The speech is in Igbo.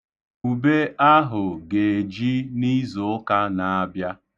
Ube ahụ ga-eji n'izụụka na-abịa.